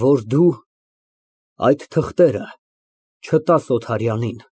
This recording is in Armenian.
Որ դու այդ թղթերը չտաս Օթարյանին։